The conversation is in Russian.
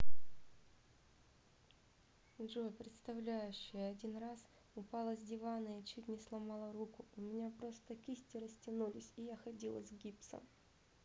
джой представляющая один раз упала с дивана и чуть не сломала руку у меня просто кисти растянулись и я ходила с гипсом